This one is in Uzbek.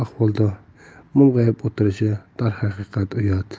ahvolda mung'ayib o'tirishi darhaqiqat uyat